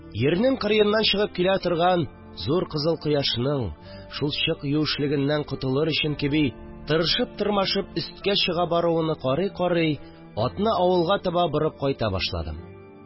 Йирнең кырыеннан чыгып килә торган зур кызыл кояшның, шул чык юешлегеннән котылыр өчен кеби, тырышып-тырмашып өсткә чыга баруыны карый-карый, атны авылга таба борып кайта башладым